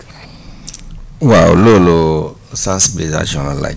waaw loolu sensibilisation la laaj